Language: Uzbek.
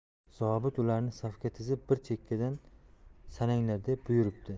zobit ularni safga tizib bir chekkadan sananglar deb buyuribdi